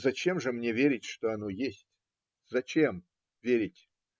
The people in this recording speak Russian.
зачем же мне верить, что оно есть? Зачем верить?